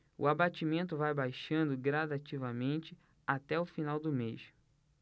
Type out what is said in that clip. o abatimento vai baixando gradativamente até o final do mês